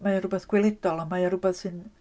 Mae o'n rywbeth gweledol a mae o'n rywbeth sy'n...